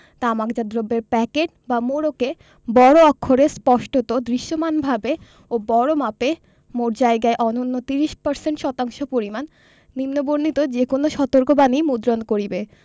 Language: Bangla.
তামাকজাত দ্রব্যের প্যাকেট বা মোড়কে বড় অক্ষরে স্পষ্টত দৃশ্যমানভাবে ও বড়মাপে মোট জায়গার অন্যূন ৩০% শতাংশ পরিমাণ নিম্নবণিত যে কোন সতর্কবাণী মুদ্রণ করিবে